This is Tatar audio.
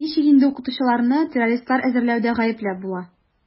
Ничек инде укытучыларны террористлар әзерләүдә гаепләп була?